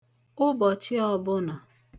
ụbọ̀chị ọbụnà